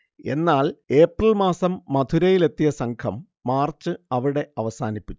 എന്നാൽ, ഏപ്രിൽ മാസം മഥുരയിലത്തെിയ സംഘം മാർച്ച് അവിടെ അവസാനിപ്പിച്ചു